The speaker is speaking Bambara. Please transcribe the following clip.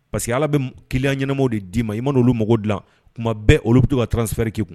Parce que Ala bɛ m client ɲɛnɛmaw de d'i ma i man'olu mago dilan kuma bɛɛ olu be to ka transfert kɛ i kun